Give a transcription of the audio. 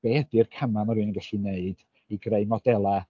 Be ydy'r camau ma' rywun yn gallu wneud i greu modelau...